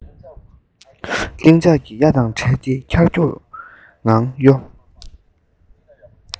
ལྷིང འཇགས ཀྱི གཡའ དང བྲལ ཏེ འཁྱར འཁྱོར ངང གཡོ